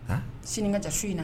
Aa sini kajata so in na